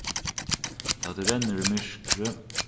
tá tú rennur í myrkri